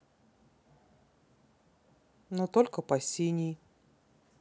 но только по синей